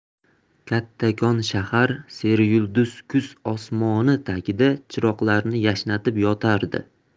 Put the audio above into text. kattakon shahar seryulduz kuz osmoni tagida chiroqlarini yashnatib yotardi